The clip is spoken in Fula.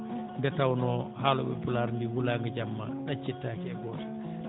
nde tawnoo ko haalooɓe pulaar mbiyi wulaango jamma ɗaccittaake e gooto